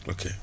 ok